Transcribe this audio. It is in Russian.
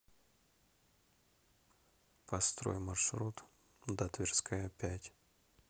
построй маршрут до тверская пять